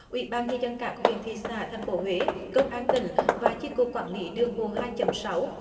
ủy ban nhân dân các huyện thị xã thành phố huế công an tỉnh và chi cục quản lý đường bộ hai chấm sáu